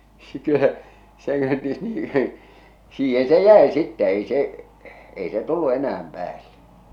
se kun se kun niin siihen se jäi sitten ei se ei se tullut enää päälle